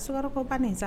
Sumaworo ko